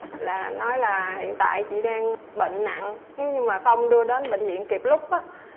là nói là hiện tại chị đang bệnh nặng nếu như mà không đưa đến bệnh viện kịp lúc á